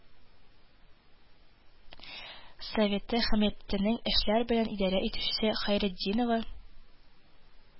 Советы хакимиятенең эшләр белән идарә итүчесе Хәйретдинова